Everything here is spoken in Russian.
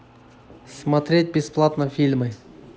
смотреть бесплатно фильмы